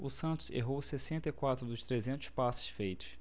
o santos errou sessenta e quatro dos trezentos passes feitos